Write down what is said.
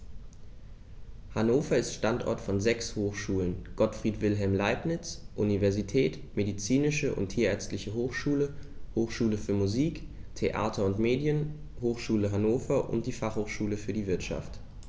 Hannover ist Standort von sechs Hochschulen: Gottfried Wilhelm Leibniz Universität, Medizinische und Tierärztliche Hochschule, Hochschule für Musik, Theater und Medien, Hochschule Hannover und die Fachhochschule für die Wirtschaft.